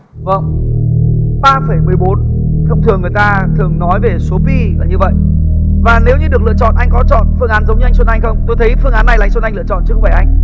vâng ba phẩy mười bốn thông thường người ta thường nói về số bi là như vậy và nếu như được lựa chọn anh có chọn phương án giống như anh xuân anh không tôi thấy phương án này là anh xuân anh lựa chọn chứ không phải anh